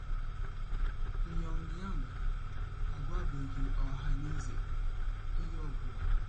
Pyongyang agwabeghị ọhaneze ihe ọ bụla.